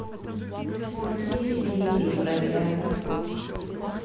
смотреть леди и бродяга